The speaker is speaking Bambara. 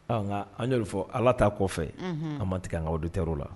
An' fɔ ala t'a kɔfɛ an man tigɛ an ka o dontɛr o la